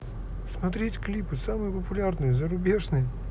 смотреть клипы самые популярные зарубежные